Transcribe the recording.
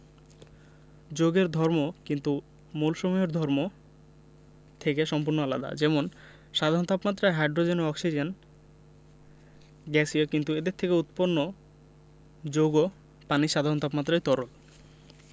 যৌগের ধর্ম কিন্তু মৌলসমূহের ধর্ম থেকে সম্পূর্ণ আলাদা যেমন সাধারণ তাপমাত্রায় হাইড্রোজেন ও অক্সিজেন গ্যাসীয় কিন্তু এদের থেকে উৎপন্ন যৌগ পানি সাধারণ তাপমাত্রায় তরল